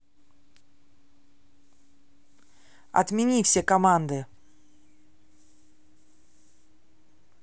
отмени все команды